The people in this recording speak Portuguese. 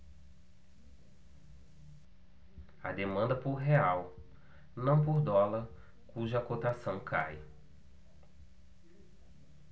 há demanda por real não por dólar cuja cotação cai